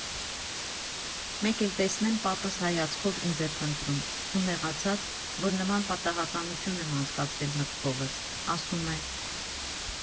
Մեկ էլ տեսնեմ՝ պապս հայացքով ինձ է փնտրում ու, նեղացած, որ նման պատահականություն եմ անցկացրել մտքովս, ասում է.